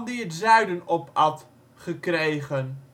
het zuiden opat) gekregen